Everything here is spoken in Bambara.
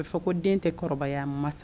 A b bɛa fɔ ko den tɛ kɔrɔbaya masa